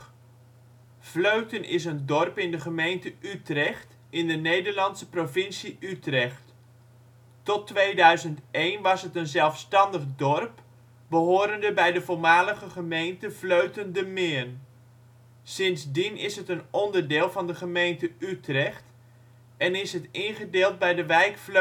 Vleuten is een dorp in de gemeente Utrecht, in de Nederlandse provincie Utrecht. Tot 2001 was het een zelfstandig dorp behorende bij de voormalige gemeente Vleuten-De Meern. Sindsdien is het een onderdeel van de gemeente Utrecht en is het ingedeeld bij de wijk